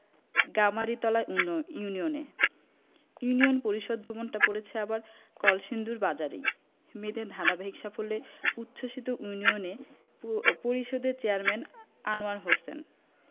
গামারিতলা ইউনিয়নে ইউনিয়ন পরিষদ ভবনটা পড়েছে আবার কলসিন্দুর বাজারেই মেয়েদের ধারাবাহিক সাফল্যে উচ্ছ্বসিত ইউনিয়ন এ পরিষদের চেয়ারম্যান আনোয়ার হোসেন